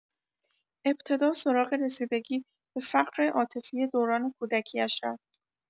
ابتدا سراغ رسیدگی به فقر عاطفی دوران کودکی‌اش رفت.